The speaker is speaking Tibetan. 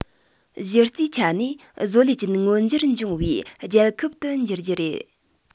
གཞི རྩའི ཆ ནས བཟོ ལས ཅན མངོན འགྱུར བྱུང བའི རྒྱལ ཁབ ཏུ འགྱུར རྒྱུ རེད